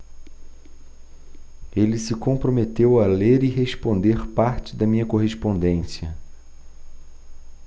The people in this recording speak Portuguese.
ele se comprometeu a ler e responder parte da minha correspondência